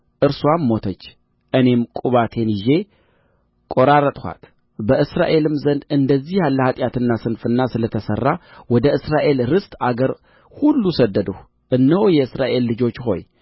እርስዋም ሞተች እኔም ቁባቴን ይዤ ቈራረኋጥጥኋት በእስራኤልም ዘንድ እንደዚህ ያለ ኃጢአትና ስንፍና ስለ ተሠራ ወደ እስራኤል ርስት አገር ሁሉ ሰደድሁ እነሆ የእስራኤል ልጆች ሆይ